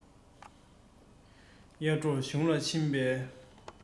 ཡར འབྲོག གཞུང ལ ཕྱིན པས